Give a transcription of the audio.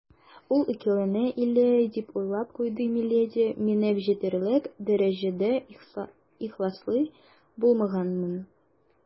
«ул икеләнә әле, - дип уйлап куйды миледи, - минем җитәрлек дәрәҗәдә ихласлы булмаганмын».